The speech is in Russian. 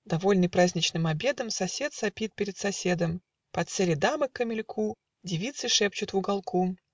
Довольный праздничным обедом, Сосед сопит перед соседом Подсели дамы к камельку Девицы шепчут в уголку